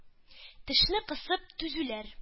Тешне кысып түзүләр,